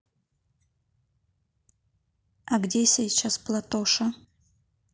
а где сейчас платоша